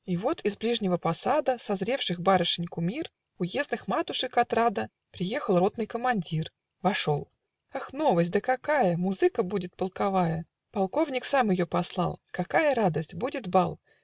И вот из ближнего посада Созревших барышень кумир, Уездных матушек отрада, Приехал ротный командир Вошел. Ах, новость, да какая! Музыка будет полковая! Полковник сам ее послал. Какая радость: будет бал!